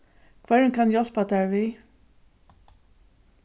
hvørjum kann eg hjálpa tær við